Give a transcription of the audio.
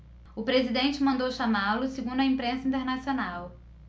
o presidente mandou chamá-lo segundo a imprensa internacional